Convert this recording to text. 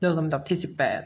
เลือกลำดับที่สิบแปด